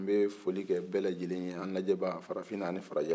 n bɛ foli kɛ bɛɛ lajɛnlen ye an lajɛ ba farafinna ani farajɛla